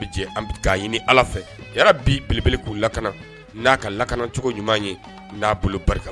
Ala fɛ bi belebele k'u lakana n'a ka lakanacogo ɲuman ye n'a bolo barika